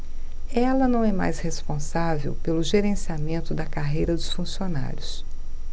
ela não é mais responsável pelo gerenciamento da carreira dos funcionários